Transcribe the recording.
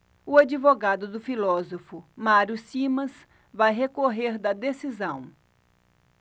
o advogado do filósofo mário simas vai recorrer da decisão